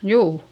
juu